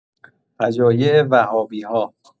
فجایع وهابی‌ها